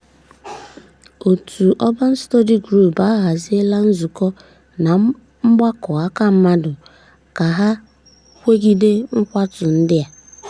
Òtù Urban Study Group ahaziela nzukọ na mgbakọ aka mmadụ ka ha kwegide nkwatu ndị a .